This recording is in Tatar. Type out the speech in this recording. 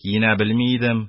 Киенә белми идем.